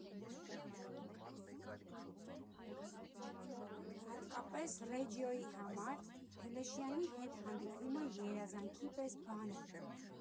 Հատկապես Ռեջիոյի համար Փելեշյանի հետ հանդիպումը երազանքի պես բան էր։